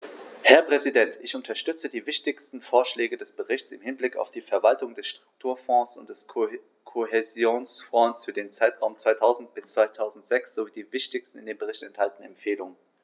Herr Präsident, ich unterstütze die wichtigsten Vorschläge des Berichts im Hinblick auf die Verwaltung der Strukturfonds und des Kohäsionsfonds für den Zeitraum 2000-2006 sowie die wichtigsten in dem Bericht enthaltenen Empfehlungen.